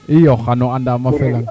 iyo xayo andaam a felanga roog